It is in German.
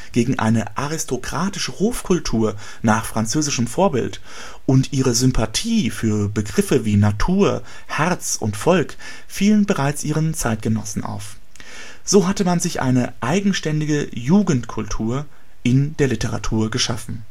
gegen eine aristokratische Hofkultur nach französischem Vorbild und ihre Sympathie für Begriffe wie Natur, Herz und Volk fielen bereits ihren Zeitgenossen auf. So hatte man sich eine eigenständige „ Jugendkultur “in der Literatur geschaffen